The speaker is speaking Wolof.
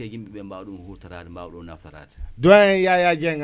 doyen Yaya Dieng Dia dégg nga li li doyen bi wax